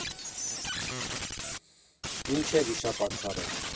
Ինչ է վիշապաքարը։